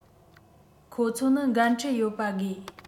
ཁོ ཚོ ནི འགན འཁྲི ཡོད པ དགོས